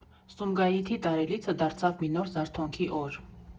Սումգայիթի տարելիցը դարձավ մի նոր զարթոնքի օր.